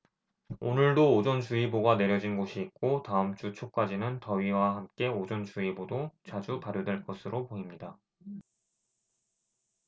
오늘도 오존 주의보가 내려진 곳이 있고 다음 주 초까지 더위와 함께 오존 주의보도 자주 발효될 것으로 보입니다